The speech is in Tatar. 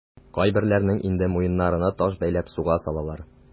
Кайберләренең инде муеннарына таш бәйләп суга салалар.